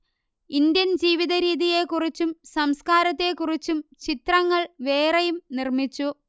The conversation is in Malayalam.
ഇന്ത്യൻ ജീവിതരീതിയെക്കുറിച്ചും സംസ്കാരത്തെക്കുറിച്ചും ചിത്രങ്ങൾ വേറെയും നിർമിച്ചു